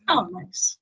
O, neis.